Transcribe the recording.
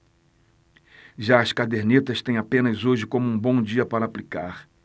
já as cadernetas têm apenas hoje como um bom dia para aplicar